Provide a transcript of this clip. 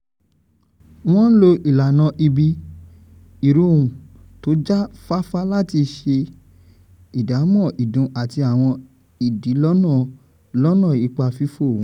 Wọn ń lo ìlànà ibi -ìró ohùn tó já fáfá láti ṣe ìdámọ́ ìdun àti àwọn ìdílọ́nà lọ́nà ipa fìfò wọn